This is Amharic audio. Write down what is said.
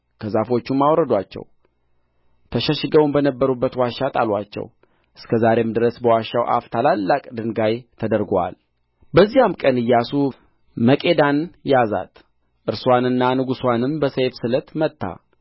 ከዛፎችም አወረዱአቸው ተሸሽገውም በነበሩበት ዋሻ ጣሉአቸው እስከ ዛሬም ድረስ በዋሻው አፍ ታላላቅ ድንጋይ ተደርጎአል በዚያም ቀን ኢያሱ መቄዳን ያዛት እርስዋንና ንጉሥዋንም በሰይፍ ስለት መታ